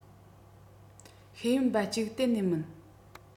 ཤེས ཡོན པ གཅིག གཏན ནས མིན